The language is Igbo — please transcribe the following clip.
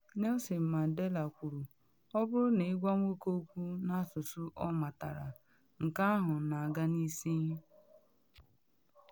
Nelson Mandela kwuru: “Ọ bụrụ na ịgwa nwoke okwu n’asụsụ ọ matara, nke ahụ na aga n’isi.